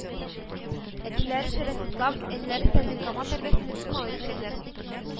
Әтиләре Шәрәфислам, әниләре Сәрбикамал тәрбиясендә биш малай үскәннәр